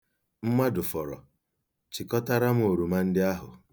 Madụfọrọ, chịkọtara m oroma ndị ahụ.